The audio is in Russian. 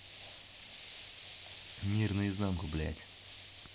мир наизнанку блять